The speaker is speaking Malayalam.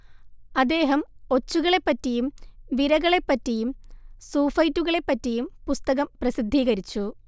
അദ്ദേഹം ഒച്ചുകളെപ്പറ്റിയും വിരകളെപ്പറ്റിയും സൂഫൈറ്റുകളെപ്പറ്റിയും പുസ്തകം പ്രസിദ്ധീകരിച്ചു